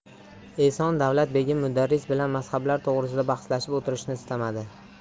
eson davlat begim mudarris bilan mazhablar to'g'risida bahslashib o'tirishni istamadi